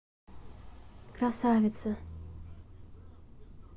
красавица